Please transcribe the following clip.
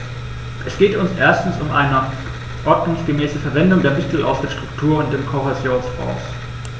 Es geht uns erstens um eine ordnungsgemäße Verwendung der Mittel aus den Struktur- und dem Kohäsionsfonds.